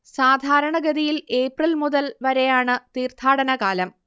സാധാരണ ഗതിയിൽ ഏപ്രിൽ മുതൽ വരെയാണ് തീർത്ഥാടന കാലം